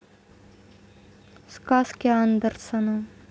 сказки андерсена